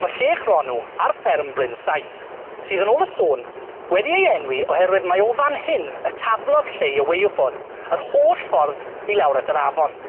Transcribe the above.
Ma' Llechronw ar fferm Bryn Saith sydd yn ôl y sôn wedi ei enwi oherwydd mae o fan hyn y taflodd Llei y waywffon yr holl ffordd i lawr at yr afon.